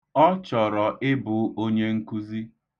Ọ chọrọ ịbụ onyenkuzi.